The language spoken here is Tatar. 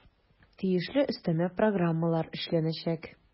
Тиешле өстәмә программалар эшләнәчәк.